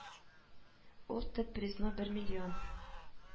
Ул төп призны бер миллион